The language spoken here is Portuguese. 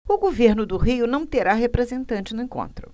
o governo do rio não terá representante no encontro